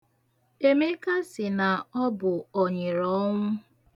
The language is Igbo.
Emeka sị na ọ bụ ọ̀nyị̀rọ̀ọnwụ.